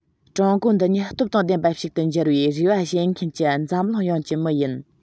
ཀྲུང གོ འདི ཉིད སྟོབས དང ལྡན པ ཞིག ཏུ འགྱུར བའི རེ བ བྱེད མཁན གྱི འཛམ གླིང ཡོངས ཀྱི མི ཡིན